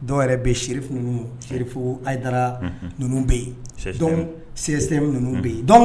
Dɔw yɛrɛ bɛ sirif ninnufdara ninnu bɛ yen ssɛn ninnu bɛ yen dɔn